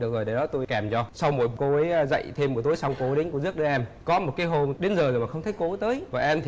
được rồi để đó tui kèm cho xong rồi cô ấy dạy thêm buổi tối xong cô ấy đến cô ấy rước đứa em có một cái hôm đến giờ rồi mà không thấy cô ấy tới còn em